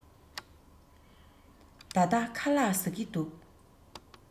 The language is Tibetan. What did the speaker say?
ད ལྟ ཁ ལག ཟ གི འདུག